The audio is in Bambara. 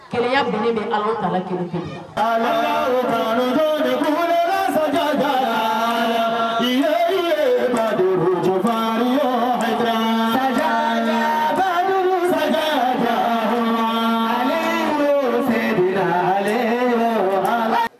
Kelen boli bɛ ala kalan kɛlɛ kɛ mɔ ja bado faama ja bajugu jase la wa